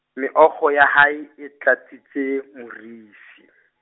meokgo ya hae, e tlatsitse, morifi.